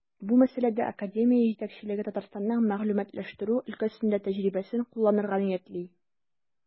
Бу мәсьәләдә академия җитәкчелеге Татарстанның мәгълүматлаштыру өлкәсендә тәҗрибәсен кулланырга ниятли.